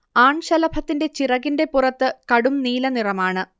ആൺശലഭത്തിന്റെ ചിറകിന്റെ പുറത്ത് കടും നീലനിറമാണ്